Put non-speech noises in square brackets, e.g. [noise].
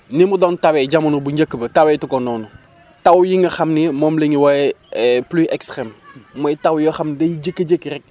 ni mu doon tawee jamono bu njëkk ba tawee tu ko noonu taw yi nga xam ni moom la ñu woyee [hesitation] pluie extrème mooy taw yoo xam day jékki-jékki rek